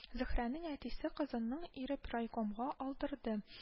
Зөһрәнең әтисе кызының ирен райкомга алдырды